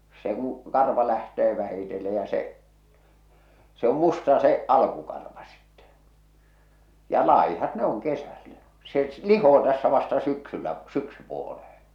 no se on se se on se karvanmuutto kun on se kun karva lähtee vähitellen ja se se on musta se alkukarva sitten ja laihat ne on kesällä se lihoo tässä vasta syksyllä syksypuoleen